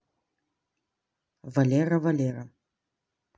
валера валера